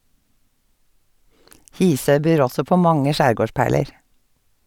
Hisøy byr også på mange skjærgårdsperler.